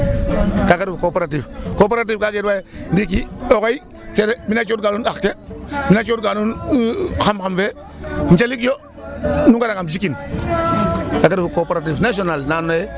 Kaga refu cooperative cooperative ka geenwa yee ndiki oxey kene mi' na cooxka nuun ax ke mi' cooxka nuun xam xam fe njalik yo nu nga'anga um jikin kaaga refu coopérative national.